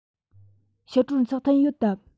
ཕྱི དྲོར ཚོགས ཐུན ཡོད དམ